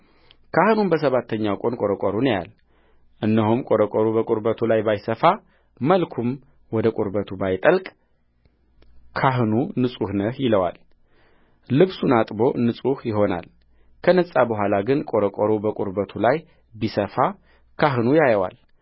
ካህኑም በሰባተኛው ቀን ቈረቈሩን ያያል እነሆም ቈረቈሩ በቁርበቱ ላይ ባይሰፋ መልኩም ወደ ቁርበቱ ባይጠልቅ ካህኑ ንጹሕ ነው ይለዋል ልብሱን አጥቦ ንጹሕ ይሆናልከነጻ በኋላ ግን ቈረቈሩ በቁርበቱ ላይ ቢሰፋ ካህኑ ያየዋል